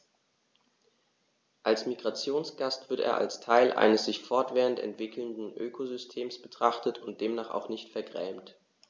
Als Migrationsgast wird er als Teil eines sich fortwährend entwickelnden Ökosystems betrachtet und demnach auch nicht vergrämt.